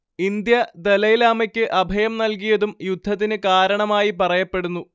India ദലൈലാമക്ക് അഭയം നൽകിയതും യുദ്ധത്തിന് കാരണമായി പറയപ്പെടുന്നു